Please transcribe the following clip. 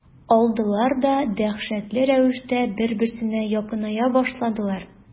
Алдылар да дәһшәтле рәвештә бер-берсенә якыная башладылар.